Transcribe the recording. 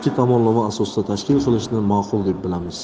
tomonlama asosda tashkil qilishni ma'qul deb bilamiz